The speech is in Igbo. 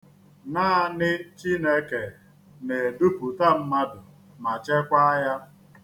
Naanị Chineke na-edupụta mmadụ ma chekwaa ya.